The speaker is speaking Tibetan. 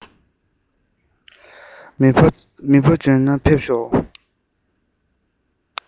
མི ཕོ འཇོན ན ཕེབས ཤོག